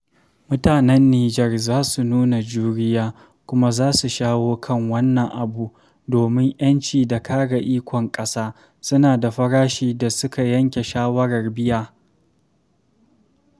Mutanen Nijar za su nuna juriya, kuma za su shawo kan wannan abu, domin ƴanci da kare ikon ƙasa, suna da farashi da suka yanke shawarar biya.